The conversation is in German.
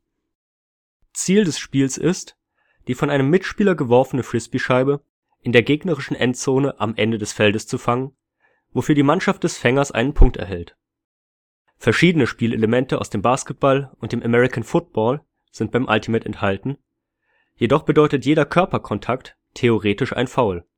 Ziel des Spiels ist, die von einem Mitspieler geworfene Frisbeescheibe in der gegnerischen Endzone am Ende des Feldes zu fangen, wofür die Mannschaft des Fängers einen Punkt erhält. Verschiedene Spielelemente aus dem Basketball und dem American Football sind beim Ultimate enthalten, jedoch bedeutet jeder Körperkontakt (theoretisch) ein Foul